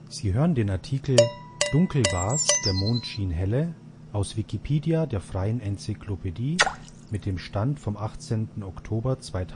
Sie hören den Artikel Dunkel war’ s, der Mond schien helle, aus Wikipedia, der freien Enzyklopädie. Mit dem Stand vom Der